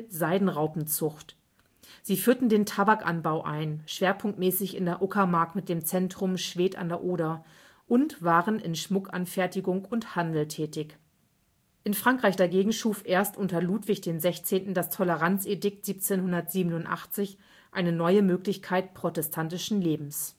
Seidenraupenzucht), führten den Tabakanbau ein (schwerpunktmäßig in der Uckermark mit dem Zentrum Schwedt/Oder) und waren in Schmuckanfertigung und - handel tätig. In Frankreich dagegen schuf erst unter Ludwig XVI. das Toleranzedikt 1787 eine neue Möglichkeit protestantischen Lebens